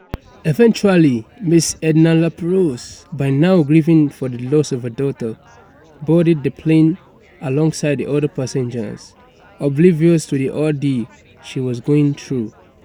Eventually Mrs Ednan-Laperouse, by now grieving for the loss of her daughter, boarded the plane alongside the other passengers - oblivious to the ordeal she was going through.